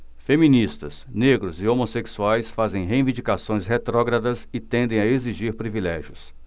feministas negros e homossexuais fazem reivindicações retrógradas e tendem a exigir privilégios